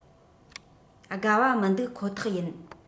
དགའ བ མི འདུག ཁོ ཐག ཡིན